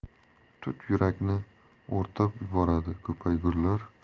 tut yurakni o'rtab yuboradi ko'paygurlar